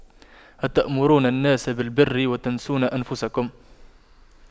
أَتَأمُرُونَ النَّاسَ بِالبِرِّ وَتَنسَونَ أَنفُسَكُم